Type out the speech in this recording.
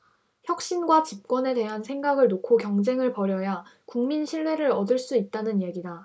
혁신과 집권에 대한 생각을 놓고 경쟁을 벌여야 국민 신뢰를 얻을 수 있다는 얘기다